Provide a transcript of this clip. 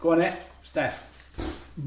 Go on 'en, Steff.